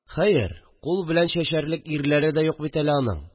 Хәер, кул белән чәчәрлек ирләре дә юк бит әле аның